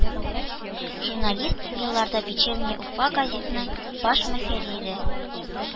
Журналист, елларда “Вечерняя Уфа” гәзитенең баш мөхәррире